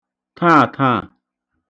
ṫaàtāà